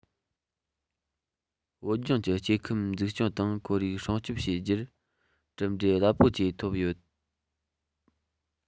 བོད ལྗོངས ཀྱི སྐྱེས ཁམས འཛུགས སྐྱོང དང ཁོར ཡུག སྲུང སྐྱོབ བྱེད རྒྱུར གྲུབ འབྲས རླབས པོ ཆེ ཐོབ ཡོད